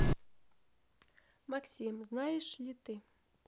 максим знаешь ли ты